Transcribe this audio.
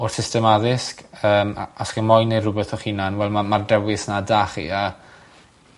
o'r system addysg yym a a os chi moyn neud rwbeth o'ch hunan wel ma' ma'r dewis 'na 'da chi a